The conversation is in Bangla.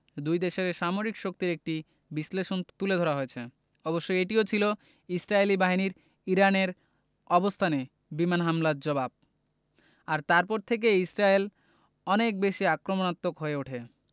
দুই দেশের সামরিক শক্তির একটি বিশ্লেষণ তুলে ধরা হয়েছে অবশ্য এটিও ছিল ইসরায়েলি বাহিনীর ইরানের অবস্থানে বিমান হামলার জবাব আর তারপর থেকেই ইসরায়েল অনেক বেশি আক্রমণাত্মক হয়ে ওঠে